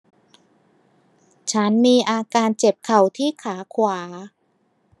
ฉันมีอาการเจ็บเข่าที่ขาขวา